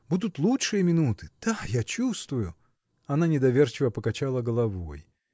будут лучшие минуты; да, я чувствую!. Она недоверчиво покачала головой.